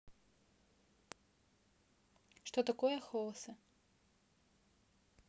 что такое house